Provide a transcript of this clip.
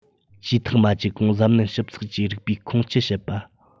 ཇུས ཐག མ བཅད གོང གཟབ ནན ཞིབ ཚགས ཀྱིས རིགས པས ཁུངས སྐྱེལ བྱེད པ